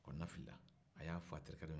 a kɔnɔnafilila a y'a f'a terikɛ dɔ ɲɛna